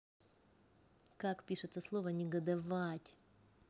как пишется слово негодовать